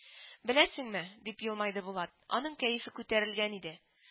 —беләсеңме,—дип елмайды булат, аның кәефе күтәрелгән иде